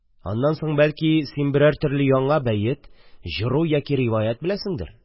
Аннан соң, бәлки, син берәр төрле яңа бәет, җыру яки ривәят беләсеңдер?